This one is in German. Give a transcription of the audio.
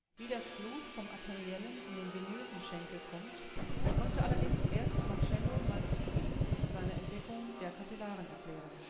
Wie das Blut vom arteriellen in den venösen Schenkel kommt, konnte allerdings erst Marcello Malpighi mit seiner Entdeckung der Kapillaren erklären